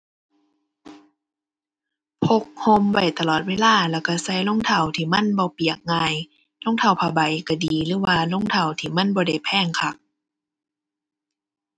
พกร่มไว้ตลอดเวลา แล้วร่มใส่รองเท้าที่มันบ่เปียกง่าย รองเท้าผ้าใบร่มดีหรือว่ารองเท้าที่มันบ่ได้แพงคัก